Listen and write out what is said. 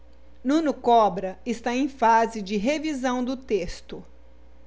nuno cobra está em fase de revisão do texto